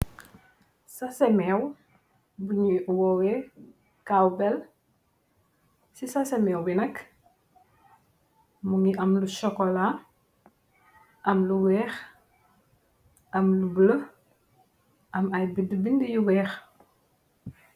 Saséméew bunuy woowe kaaw bel, si sasemeew bi nak, mu ngi am lu sokola, am lu weex, am lu bule, am ay binde binde yu weex.